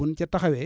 buñ ca taxawee